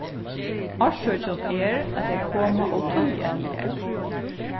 orsøkin er at tey koma ov tíðliga hagar